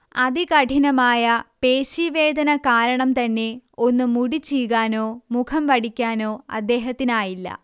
അതികഠിനമായ പേശി വേദന കാരണം തന്നെ ഒന്ന് മുടി ചീകാനോ മുഖം വടിക്കാനൊ അദ്ദേഹത്തിനായില്ല